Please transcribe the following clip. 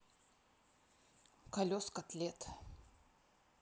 колес колет